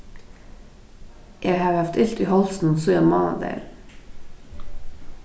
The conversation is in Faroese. eg havi havt ilt í hálsinum síðani mánadagin